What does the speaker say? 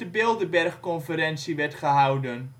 Bilderberg-conferentie werd gehouden